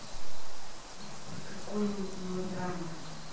какую нибудь мелодраму